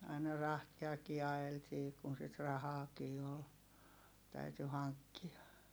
aina rahtiakin ajeltiin kun sitä rahaakin oli täytyi hankkia